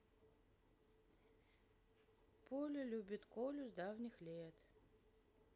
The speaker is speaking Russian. поля любит колю с давних лет